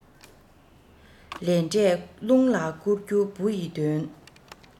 ལས འབྲས རླུང ལ བསྐུར རྒྱུ བུ ཡི དོན